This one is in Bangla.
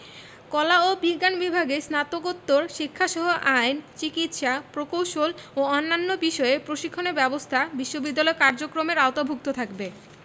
কলা ও বিজ্ঞান বিভাগে স্নাতকোত্তর শিক্ষাসহ আইন চিকিৎসা প্রকৌশল ও অন্যান্য বিষয়ে প্রশিক্ষণের ব্যবস্থা বিশ্ববিদ্যালয়ের কার্যক্রমের আওতাভুক্ত থাকবে